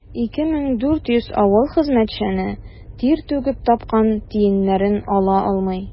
2400 авыл хезмәтчәне тир түгеп тапкан тиеннәрен ала алмый.